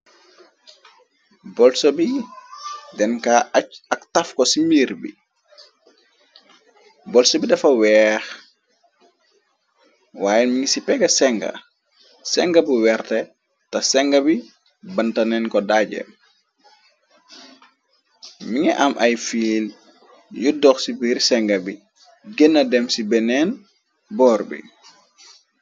Bolso bi denka aj ak taf ko ci mbiir bi, bolso bi dafa weex, waye ni ci peg senga, senga bu weerte te senga bi bantaneen ko daajee, mi nga am ay fiil yu dox ci biir senga bi genna dem ci beneen boor bi.